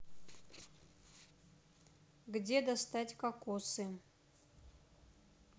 где достать кокосы